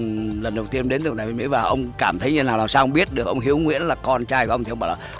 lần đầu tiên đến điều này với mỹ và ông cảm thấy như nào làm sao ông biết được ông hiếu nguyễn là con trai của ông thì ông bảo